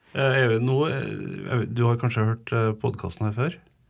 er vi nå du har kanskje hørt podkasten her før?